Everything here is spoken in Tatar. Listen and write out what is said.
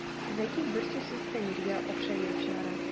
Зәки бер сүзсез Фәнилгә акча биреп чыгара.